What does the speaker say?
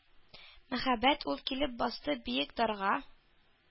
Мәһабәт ул килеп басты биек «дар»га.